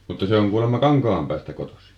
mutta se on kuulemma Kankaanpäästä kotoisin